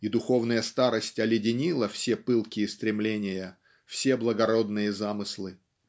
и духовная старость оледенила все пылкие стремления все благородные замыслы.